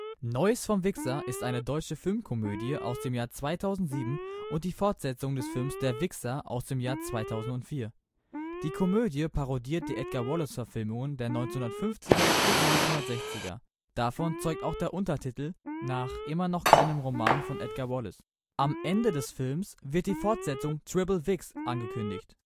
Neues vom Wixxer ist eine deutsche Filmkomödie aus dem Jahr 2007 und die Fortsetzung des Films Der Wixxer aus dem Jahr 2004. Die Komödie parodiert die Edgar-Wallace-Verfilmungen der 1950er und 1960er. Davon zeugt auch der Untertitel „ Nach immer noch keinem Roman von Edgar Wallace “. Am Ende des Filmes wird die Fortsetzung Triple WixXx angekündigt